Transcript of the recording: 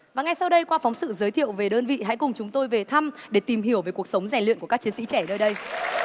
và ngay sau đây qua phóng sự giới thiệu về đơn vị hãy cùng chúng tôi về thăm để tìm hiểu về cuộc sống rèn luyện của các chiến sĩ trẻ nơi đây